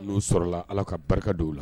Minnu sɔrɔla Ala ka barika don u la